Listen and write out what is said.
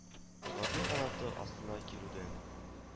Воды канаты астына керүдән